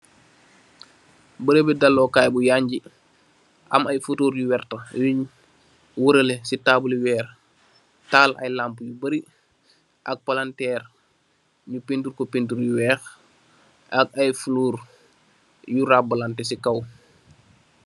Berembi daalo kai bu yangi am ay photur yu wertah yuun woraleh si tabuli weer taal ay lampa yu bari ak palanterr nyu painturr ko painturr bu weex ak ay folor yu ramalante si kaw.